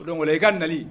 O dongo la i ka nali